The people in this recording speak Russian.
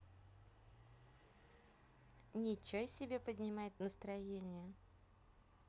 ниче себе поднимать настроение